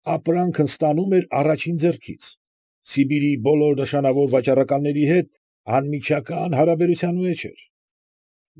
Ապրանքն ստանում էր առաջին ձեռքից։ Սիբիրի բոլոր նշանավոր վաճառականների հետ անմիջական հարաբերության մեջ էր։